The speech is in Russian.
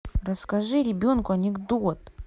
расскажи ребенку анекдот